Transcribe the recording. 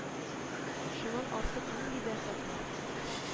Шуннан артык нинди бәхет бар?!